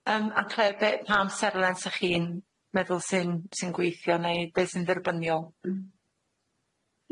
Yym a Clare be- pa amserlen sa chi'n meddwl sy'n sy'n gweithio neu be' sy'n ddirbyniol?